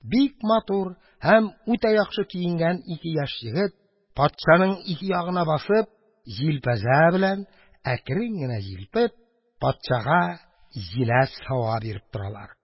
Бик матур һәм үтә яхшы киенгән ике яшь егет, патшаның ике ягына басып, җилпәзә белән әкрен генә җилпеп, патшага җиләс һава китереп торалар.